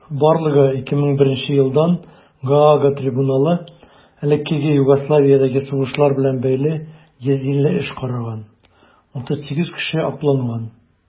Барлыгы 2001 елдан Гаага трибуналы элеккеге Югославиядәге сугышлар белән бәйле 150 эш караган; 38 кеше акланган.